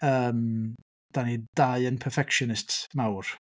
Yym dan ni dau yn perfectionists mawr.